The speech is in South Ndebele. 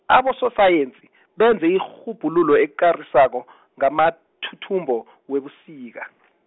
abososayensi, benze irhubhululo ekarisako , ngamathuthumbo , webusika .